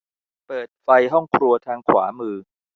เปิดไฟห้องครัวทางขวามือ